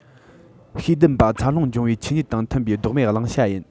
ཤེས ལྡན པ འཚར ལོངས འབྱུང བའི ཆོས ཉིད དང མཐུན པའི ལྡོག མེད བླང བྱ ཡིན